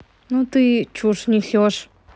ну ты чушь несешь